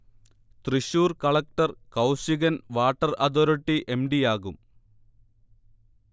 Thrissur collector Kaushigan water authority M. D. യാകും